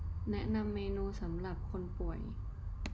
แนะนำเมนูสำหรับคนป่วย